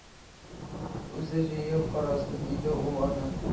Үзе җыеп карасын иде ул аны.